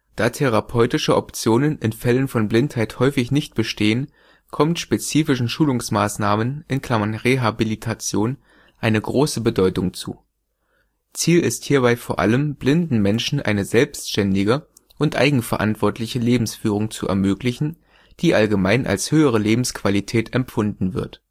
Da therapeutische Optionen in Fällen von Blindheit häufig nicht bestehen, kommt spezifischen Schulungsmaßnahmen (Rehabilitation) eine große Bedeutung zu. Ziel ist hierbei vor allem, blinden Menschen eine selbständige und eigenverantwortliche Lebensführung zu ermöglichen, die allgemein als höhere Lebensqualität empfunden wird